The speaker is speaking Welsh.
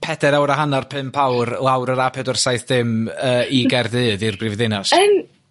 pedair awr a hanner pump awr lawr yr a pedwar saith dim i Gaerdydd i'r brifddinas?